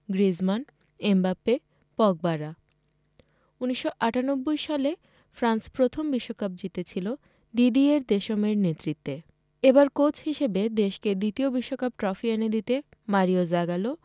Griezmann Mbappe পগবারা ১৯৯৮ সালে France প্রথম বিশ্বকাপ জিতেছিল দিদিয়ের দেশমের নেতৃত্বে এবার কোচ হিসেবে দেশকে দ্বিতীয় বিশ্বকাপ ট্রফি এনে দিয়ে মারিও জাগালো